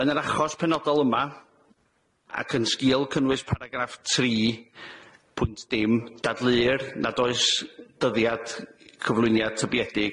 Yn yr achos penodol yma, ac yn sgil cynnwys paragraff tri pwynt dim, dadleuir nad oes dyddiad cyflwyniad tybiedig.